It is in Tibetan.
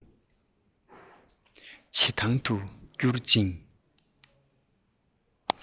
བྱེད ཐང དུ བསྒྱུར ཅིང